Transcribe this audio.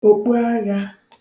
òkpuaghā